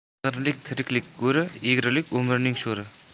qing'irlik tiriklik go'ri egrilik umrning sho'ri